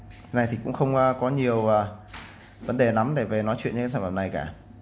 sản phẩm này thì cũng không có quá nhiều vấn đề để nói chuyện về sản phẩm này cả